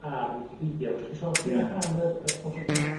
ar wicipedia fedrwch chi sôn... Ia. ...chydig am yr yr project yna?